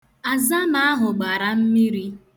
Azama ahụ gbara mmiri.